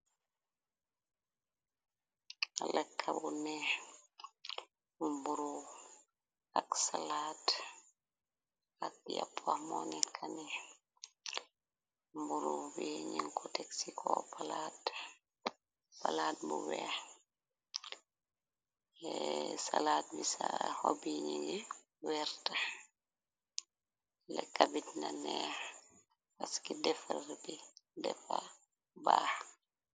lekka bu neex, mburu ak salaat ak yappa moo nekka nii, mburu ñung ko tex si palaat bu weex, salaat bi sax xob yi, mu ngi werta, lekka bi di na neex paski, defar bi defa baax.